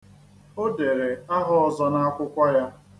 O dere aha ọzọ n'akwụkwọ ya.